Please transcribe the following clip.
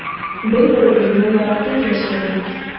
Бер-берегезне яратып яшәгез.